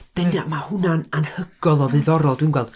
Den- dy- ma' hwnna'n anhygoel o ddiddorol dwi'n gweld.